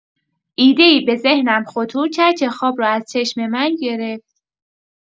ایده‌ای به ذهنم خطور کرد که خواب رو از چشم من گرفت!